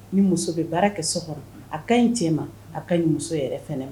Ni muso bɛ baara kɛ so kɔnɔ a ka ɲi cɛ ma a ka ɲi muso yɛrɛ fana ma